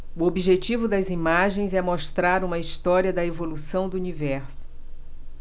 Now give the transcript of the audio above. o objetivo das imagens é mostrar uma história da evolução do universo